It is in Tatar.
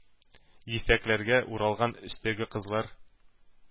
Ефәк ләргә уралган өстәге кызлар,